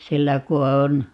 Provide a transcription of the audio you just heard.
sillä kun on